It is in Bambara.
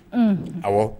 Un ɔwɔ